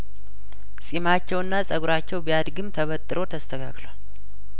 ጺማቸውና ጸጉራቸው ቢያድግም ተበጥሮ ተስተካክሏል